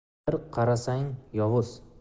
bir qarasang yovuz